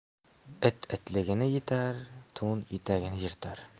it itligini etar to'n etagini yirtar